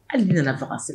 Hali n nana vacance la